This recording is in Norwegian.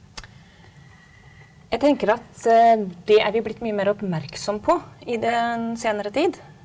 jeg tenker at det er vi blitt mye mer oppmerksom på i den senere tid.